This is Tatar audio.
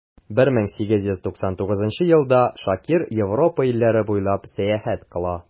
1899 елда шакир европа илләре буйлап сәяхәт кыла.